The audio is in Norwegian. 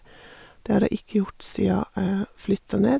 Det har jeg ikke gjort sia jeg flytta ned.